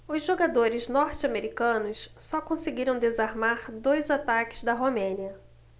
os jogadores norte-americanos só conseguiram desarmar dois ataques da romênia